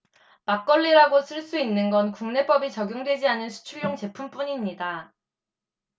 막걸리라고 쓸 수 있는 건 국내법이 적용되지 않는 수출용 제품뿐 입니다